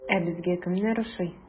Ә безгә кемнәр ошый?